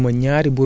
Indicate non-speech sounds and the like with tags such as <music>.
<hesitation> <hesitation>